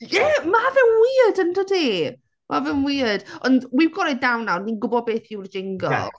Ie, mae fe'n weird yn dydi? Mae fe'n weird. Ond we've got it down nawr ni'n gwybod beth yw'r jingle.